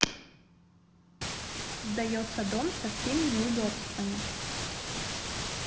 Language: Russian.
сдается дом со всеми неудобствами